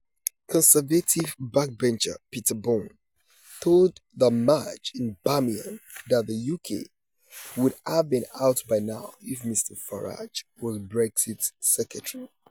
Conservative backbencher Peter Bone told the march in Birmingham that the UK 'would have been out' by now if Mr Farage was Brexit Secretary.